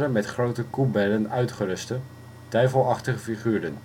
met grote koebellen uitgeruste, duivelachtige figuren